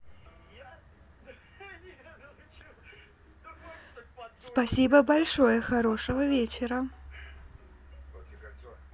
спасибо большое хорошего вечера